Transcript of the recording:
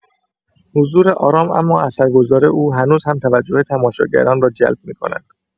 حضور آرام اما اثرگذار او هنوز هم توجه تماشاگران را جلب می‌کند.